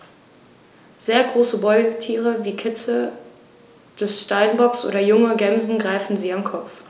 Sehr große Beutetiere wie Kitze des Steinbocks oder junge Gämsen greifen sie am Kopf.